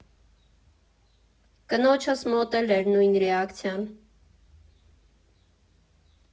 Կնոջս մոտ էլ էր նույն ռեակցիան։